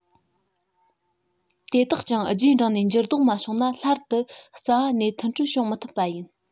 དེ དག ཀྱང རྗེས འབྲང ནས འགྱུར ལྡོག མ བྱུང ན སླར དུ རྩ བ ནས མཐུན འཕྲོད བྱུང མི ཐུབ པ ཡིན